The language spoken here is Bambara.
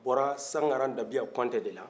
a bɔra sangara dabiya kɔnte de la